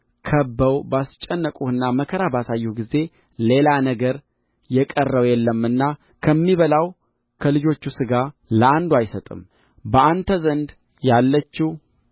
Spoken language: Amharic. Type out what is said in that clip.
ከብበው ባስጨነቁህና መከራ ባሳዩህ ጊዜ ሌላ ነገር የቀረው የለምና ከሚበላው ከልጆቹ ሥጋ ለአንዱ አይሰጥም በአንተ ዘንድ ያለችው